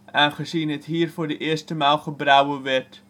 aangezien het hier voor de eerste maal gebrouwen werd